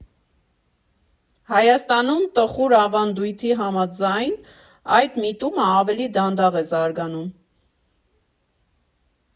Հայաստանում տխուր ավանդույթի համաձայն՝ այդ միտումը ավելի դանդաղ է զարգանում։